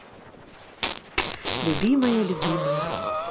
любимая любимая